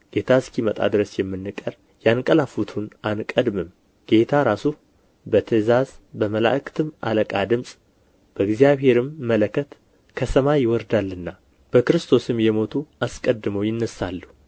ጌታ እስኪመጣ ድረስ የምንቀር ያንቀላፉቱን አንቀድምም ጌታ ራሱ በትእዛዝ በመላእክትም አለቃ ድምፅ በእግዚአብሔርም መለከት ከሰማይ ይወርዳልና በክርስቶስም የሞቱ አስቀድመው ይነሣሉ